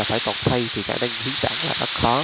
phải toàn thây thì khả năng hiến tạng là rất khó